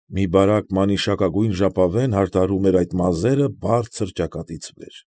Մի բարակ մանիշակագույն ժապավեն հարդարում էր այդ մազերը բարձր ճակատից վեր։